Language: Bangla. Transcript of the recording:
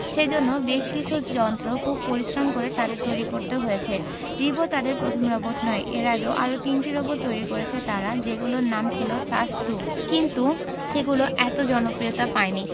সেজন্য বেশ কিছু যন্ত্র খুব পরিশ্রম করে তাদের তৈরি করতে হয়েছে রিবো তাদের প্রথম রোবট নয় এর আগে আরও তিনটি রোবট তৈরি করেছে তারা যেগুলোর নাম ছিল সাস্ট টু কিন্তু সেগুলো এত জনপ্রিয়তা পায়নি